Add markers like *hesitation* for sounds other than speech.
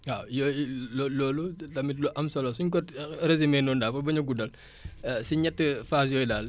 waaw yooyu *hesitation* loo loolu tamit lu am solo suñ ko *hesitation* résumé noonu daal pour bañ a guddal *breath* si ñett phases yooyu daal